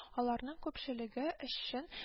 Аларның күпчелеге өчен